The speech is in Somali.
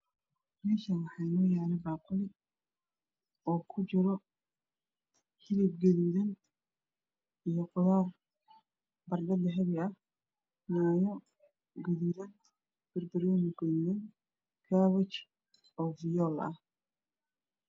Meshan waxaa yalo baquli oo kujiro hiliib iyo bardho dahabi ah iyo yaayo iyo barbanoni iyo kabasha oo fiyol ah